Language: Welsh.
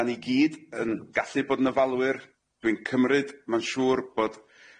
'Dan ni gyd yn gallu bod yn yfalwyr dwi'n cymryd ma'n siŵr bod